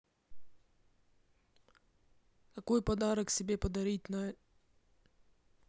какой подарок себе подарить на